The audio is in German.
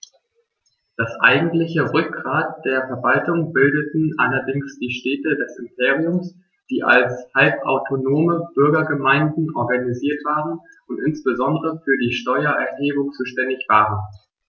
Das eigentliche Rückgrat der Verwaltung bildeten allerdings die Städte des Imperiums, die als halbautonome Bürgergemeinden organisiert waren und insbesondere für die Steuererhebung zuständig waren.